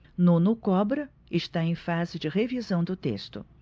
nuno cobra está em fase de revisão do texto